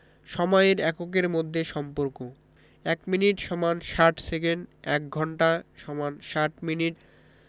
সময়ের এককের মধ্যে সম্পর্কঃ ১ মিনিট = ৬০ সেকেন্ড ১ঘন্টা = ৬০ মিনিট